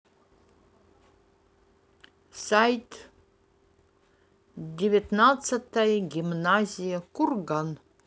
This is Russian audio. сайт девятнадцатой гимназии курган